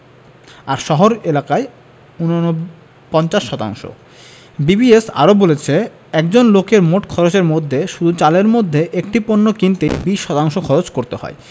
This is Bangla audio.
আর শহর এলাকায় ৪৯ শতাংশ বিবিএস আরও বলছে একজন লোকের মোট খরচের মধ্যে শুধু চালের মতো একটি পণ্য কিনতেই ২০ শতাংশ খরচ করতে হয়